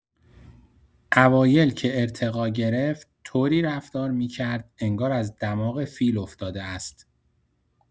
اوایل که ارتقا گرفت، طوری رفتار می‌کرد انگار از دماغ فیل افتاده است.